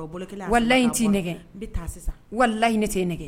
wallahi tɛ e nɛgɛ wallahi ne tɛ e nɛgɛ.